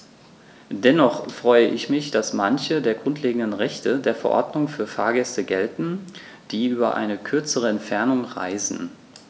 Dennoch freue ich mich, dass manche der grundlegenden Rechte der Verordnung für Fahrgäste gelten, die über eine kürzere Entfernung reisen.